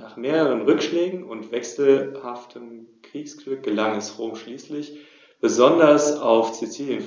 Im Gegensatz zu allen anderen Vertretern der Gattung hebt der Steinadler seine Flügel im Segelflug leicht an, so dass ein leicht